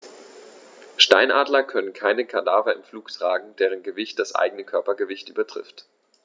Steinadler können keine Kadaver im Flug tragen, deren Gewicht das eigene Körpergewicht übertrifft.